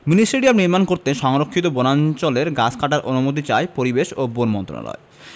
mini stadium নির্মাণ করতে সংরক্ষিত বনাঞ্চলের গাছ কাটার অনুমতি চায় পরিবেশ ও বন মন্ত্রণালয়